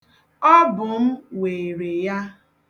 Ọ bụ m weere ya.